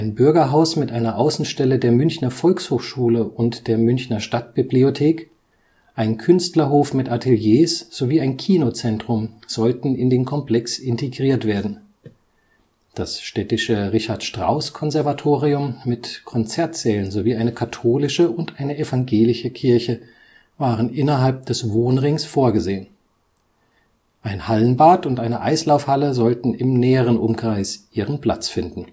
Bürgerhaus mit einer Außenstelle der Münchner Volkshochschule und der Münchner Stadtbibliothek, ein Künstlerhof mit Ateliers sowie ein Kinozentrum sollten in den Komplex integriert werden; das städtische Richard-Strauss-Konservatorium mit Konzertsälen sowie eine katholische und eine evangelische Kirche waren innerhalb des „ Wohnrings “vorgesehen, ein Hallenbad und eine Eislaufhalle sollten im näheren Umkreis ihren Platz finden